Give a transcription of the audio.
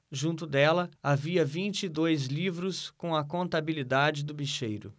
junto dela havia vinte e dois livros com a contabilidade do bicheiro